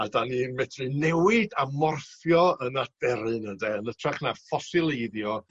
a 'dan ni yn medru newid a morffio yn aderyn ynde yn ytrach na ffosileiddio